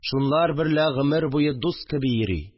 Шунлар берлә гомер буе дуст кеби йөри